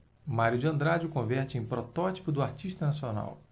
mário de andrade o converte em protótipo do artista nacional